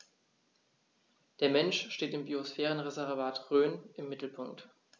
Der Mensch steht im Biosphärenreservat Rhön im Mittelpunkt.